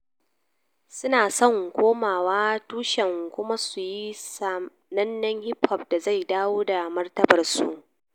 Su na son komawa tushensu kuma su yi sanannen hip hop da zai dawo da martabar su.